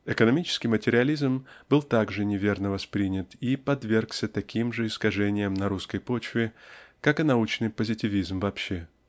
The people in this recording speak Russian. Экономический материализм был так же неверно воспринят и подвергся таким же искажениям на русской почве как и научный позитивизм вообще.